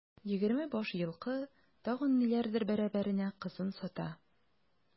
Егерме баш елкы, тагын ниләрдер бәрабәренә кызын сата.